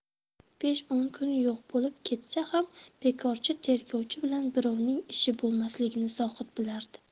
besh o'n kun yo'q bo'lib ketsa ham bekorchi tergovchi bilan birovning ishi bo'lmasligini zohid bilardi